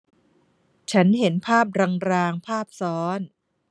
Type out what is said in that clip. ฉันเห็นภาพรางรางภาพซ้อน